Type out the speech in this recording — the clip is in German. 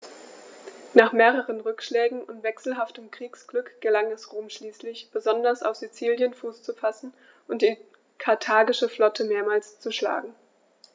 Nach mehreren Rückschlägen und wechselhaftem Kriegsglück gelang es Rom schließlich, besonders auf Sizilien Fuß zu fassen und die karthagische Flotte mehrmals zu schlagen.